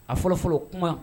A fɔlɔfɔlɔ kuma